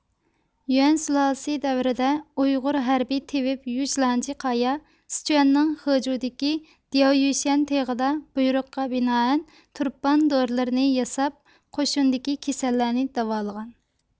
يۈەن سۇلالىسى دەۋرىدە ئۇيغۇر ھەربىي تېۋىپ يۇجلانچى قايا سىچۇەننىڭ خېجۇدىكى دىياۋيۈشەن تېغىدا بۇيرۇققا بىنائەن تۇرپان دورىلىرىنى ياساپ قوشۇندىكى كېسەللەرنى داۋالىغان